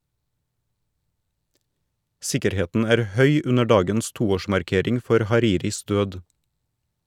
Sikkerheten er høy under dagens toårsmarkering for Hariris død.